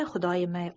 xudoyim ey